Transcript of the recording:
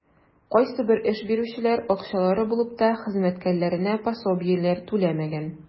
Кайсыбер эш бирүчеләр, акчалары булып та, хезмәткәрләренә пособиеләр түләмәгән.